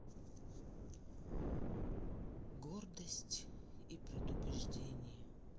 гордость и предубеждение